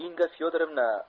inga fyodorovna